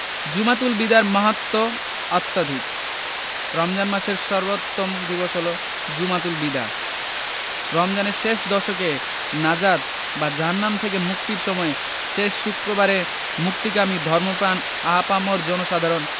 জুমাতুল বিদার মাহাত্ম্য অত্যধিক রমজান মাসের সর্বোত্তম দিবস হলো জুমাতুল বিদা রমজানের শেষ দশকে নাজাত বা জাহান্নাম থেকে মুক্তির সময়ে শেষ শুক্রবারে মুক্তিকামী ধর্মপ্রাণ আপামর জনসাধারণ